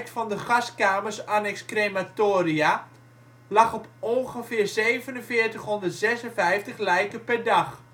van de gaskamers annex crematoria lag op ongeveer 4 756 lijken per dag